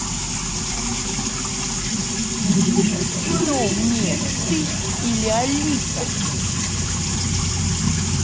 кто умнее ты или алиса